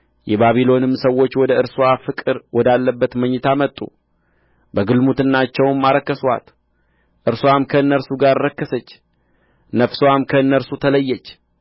የባቢሎንም ሰዎች ወደ እርስዋ ፍቅር ወዳለበት መኝታ መጡ በግልሙትናቸውም አረከሱአት እርስዋም ከእነርሱ ጋር ረከሰች ነፍስዋም ከእነርሱ ተለየች